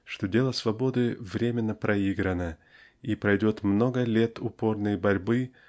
что дело свободы временно проиграно и пройдет много лет упорной борьбы